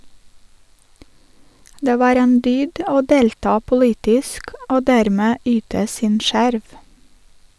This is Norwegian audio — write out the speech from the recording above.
Det var en dyd å delta politisk å dermed yte sin skjerv.